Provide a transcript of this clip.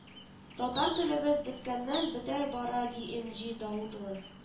Татар телебез беткәннән-бетә бара ди энҗе даутова